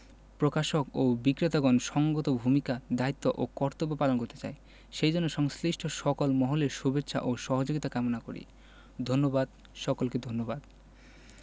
প্রকাশক ও বিক্রেতাগণ সঙ্গত ভূমিকা দায়িত্ব ও কর্তব্য পালন করতে চাই সেজন্য সংশ্লিষ্ট সকল মহলের শুভেচ্ছা ও সহযোগিতা কামনা করি ধন্যবাদ সকলকে ধন্যবাদ